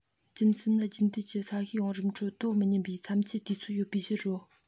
རྒྱུ མཚན ནི རྒྱུན མཐུད ཀྱི ས གཤིས བང རིམ ཁྲོད དོ མི སྙོམས པའི མཚམས ཆད དུས ཚོད ཡོད པའི ཕྱིར རོ